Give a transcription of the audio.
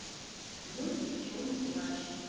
мультик черный плащ